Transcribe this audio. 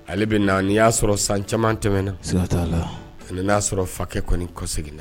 Ale bi na ni ya sɔrɔ san caman tɛmɛna. Siga ta la. Fɛnɛ na sɔrɔ fakɛ kɔni kɔsegin na